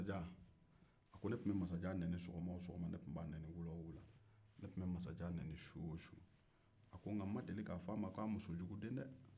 ne tun bɛ masajan nɛni su o su tile o tile nka n ma deli k'a fɔ a ma k'a musojuguden dɛ